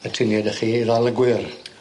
y tinie 'dych chi i ddal y gwyr.